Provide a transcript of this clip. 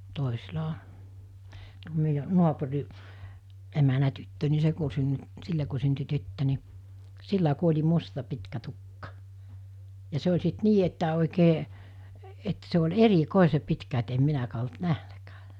toisilla on tuo meidän naapuri emännän tyttö niin se kun - sille kun syntyi tyttö niin sillä kun oli musta pitkä tukka ja se oli sitten niin että oikein että se oli erikoisen pitkä että en minäkään ollut nähnytkään